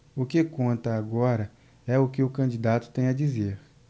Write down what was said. o que conta agora é o que o candidato tem a dizer